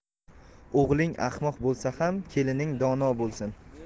o'g'ling ahmoq bo'lsa ham kelining dono bo'lsin